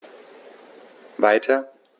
Weiter.